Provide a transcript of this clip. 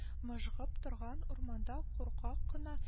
Мыжгып торган урманда куркак кына